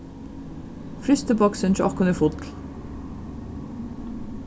frystiboksin hjá okkum er full